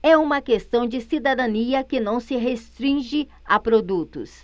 é uma questão de cidadania que não se restringe a produtos